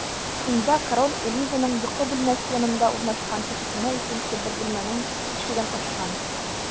Шунда король Элизаның йокы бүлмәсе янында урнашкан кечкенә икенче бер бүлмәнең ишеген ачкан.